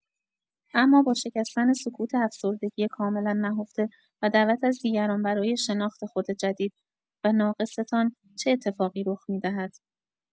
اما با شکستن سکوت افسردگی کاملا نهفته و دعوت از دیگران برای شناخت خود جدید و ناقصتان چه اتفاقی رخ می‌دهد؟